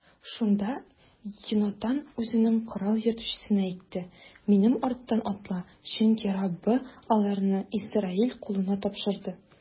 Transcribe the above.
Шунда Йонатан үзенең корал йөртүчесенә әйтте: минем арттан атла, чөнки Раббы аларны Исраил кулына тапшырды.